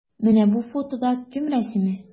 Менә бу фотода кем рәсеме?